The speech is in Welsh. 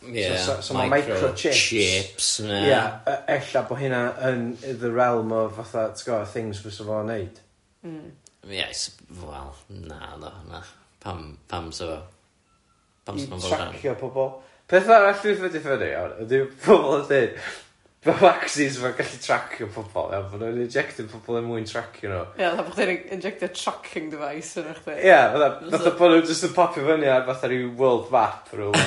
Ia ...so so ma' microchips... Microchips yeah ...ella bo' hynna yn the realm of fatha ti'bod things fysa fo'n wneud. M-hm. Ia, s- wel na ddo na, pam, pam 'sa fo pam 'sa fo'n bod yn... I tracio pobol, peth arall dwi'n ffeindio'n funny iawn ydi pobol yn ddeud bo' vaccines 'ma yn gallu tracio pobol iawn bo' nhw'n injectio pobol er mwyn tracio nhw... Ia fatha bo' chdi'n injectio tracking device ynddo chdi... Ia fatha fatha bo' nhw jyst yn popio fyny ar fatha ryw world map or whatever